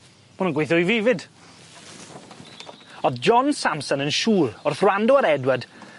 Ma' wnna'n gweithio i fi 'fyd. O'dd John Sampson yn siŵr wrth wrando ar Edward